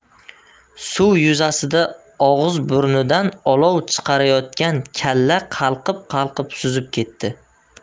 suv yuzasida og'izburnidan olov chiqarayotgan kalla qalqib qalqib suzib ketdi